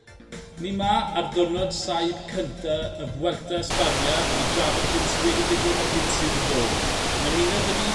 Ni 'ma ar ddiwrnod saib cynta y Vuelta Espania i drafod yr hyn sy wedi digwydd a'r hyn sydd i ddod yn ymuno 'dy fi...